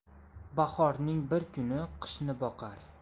bahorning bir kuni qishni boqar